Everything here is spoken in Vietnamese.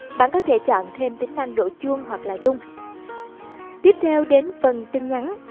bạn có thể chọn thêm tính năng đổ chuông hoặc là rung tiếp theo đến phần tin nhắn